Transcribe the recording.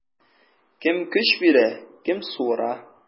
Кем көч бирә, кем суыра.